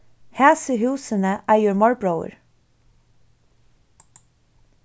hasi húsini eigur morbróðir